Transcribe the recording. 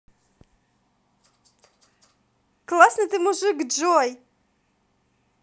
классный ты мужик джой